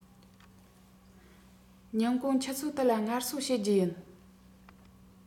ཉིན གུང ཆུ ཚོད དུ ལ ངལ གསོ བྱེད རྒྱུ ཡིན